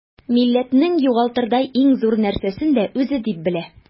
Милләтнең югалтырдай иң зур нәрсәсен дә үзе дип белә.